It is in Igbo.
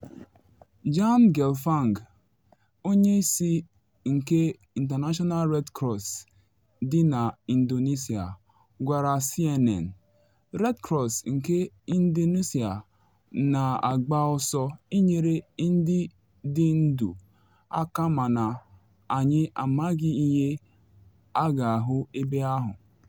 Jan Gelfand, onye isi nke International Red Cross dị na Indonesia, gwara CNN: “Red Cross nke Indonesia na agba ọsọ ịnyere ndị dị ndụ aka mana anyị amaghị ihe ha ga-ahụ ebe ahụ.